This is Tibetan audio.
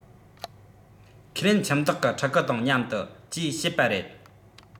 ཁས ལེན ཁྱིམ བདག གི ཕྲུ གུ དང མཉམ དུ ཅེས བཤད པ རེད